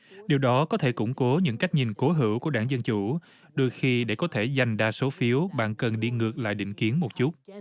điều đó có thể củng cố những cách nhìn cố hữu của đảng dân chủ đôi khi để có thể giành đa số phiếu bạn cần đi ngược lại định kiến một chút